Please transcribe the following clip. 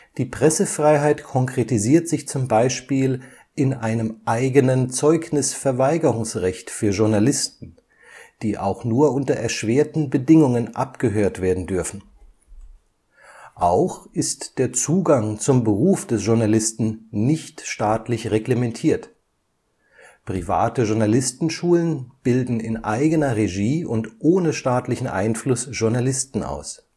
Die Pressefreiheit konkretisiert sich zum Beispiel in einem eigenen Zeugnisverweigerungsrecht (§ 53 StPO, § 383 ZPO) für Journalisten, die auch nur unter erschwerten Bedingungen abgehört werden dürfen. Auch ist der Zugang zum Beruf des Journalisten nicht staatlich reglementiert – private Journalistenschulen bilden in eigener Regie und ohne staatlichen Einfluss Journalisten aus